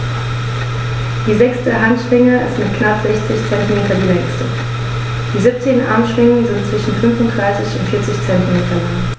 Die sechste Handschwinge ist mit knapp 60 cm die längste. Die 17 Armschwingen sind zwischen 35 und 40 cm lang.